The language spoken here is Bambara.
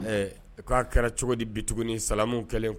Ɛɛ k'a kɛra cogo di bi tuguni salamu kɛlen